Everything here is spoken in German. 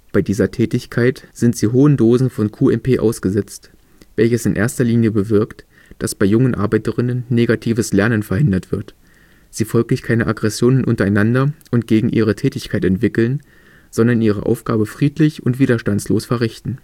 Bei dieser Tätigkeit sind sie hohen Dosen von QMP ausgesetzt, welches in erster Linie bewirkt, dass bei jungen Arbeiterinnen negatives Lernen verhindert wird, sie folglich keine Aggressionen untereinander und gegen ihre Tätigkeit entwickeln, sondern ihre Aufgabe friedlich und widerstandslos verrichten